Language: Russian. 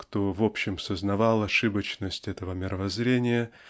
кто в общем сознавал ошибочность этого мировоззрения